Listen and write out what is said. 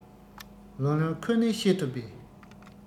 ལོ ལོན ཁོ ནའི ཤེས ཐུབ པས